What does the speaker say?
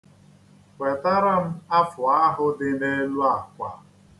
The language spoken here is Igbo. Wetara m afụ ahụ dị n'elu àkwà.